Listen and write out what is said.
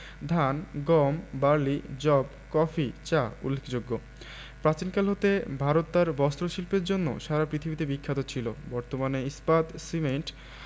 ধান গম বার্লি যব কফি চা উল্লেখযোগ্যপ্রাচীনকাল হতে ভারত তার বস্ত্রশিল্পের জন্য সারা পৃথিবীতে বিখ্যাত ছিল বর্তমানে ইস্পাত সিমেন্ট